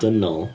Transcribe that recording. ...Dynol.